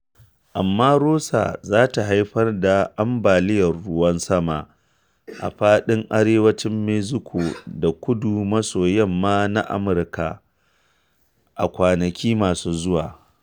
Amma, Rosa za ta haifar da ambaliyar ruwan sama a faɗin arewacin Mexico da kudu-maso-yamma na Amurka a kwanaki masu zuwa.